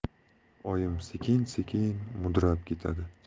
oyim sekin sekin mudrab ketadi